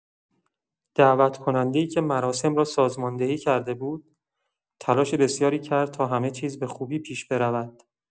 دعوت‌کننده‌ای که مراسم را سازماندهی کرده بود، تلاش بسیاری کرد تا همه چیز به خوبی پیش برود.